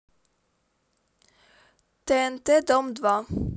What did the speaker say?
тнт дом два